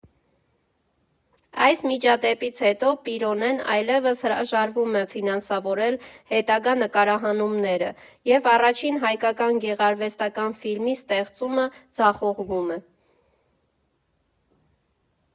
Այս միջադեպից հետո Պիրոնեն այլևս հրաժարվում է ֆինանսավորել հետագա նկարահանումները և առաջին հայկական գեղարվեստական ֆիլմի ստեղծումը ձախողվում է։